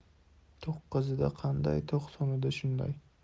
to'qqizida qanday to'qsonida shunday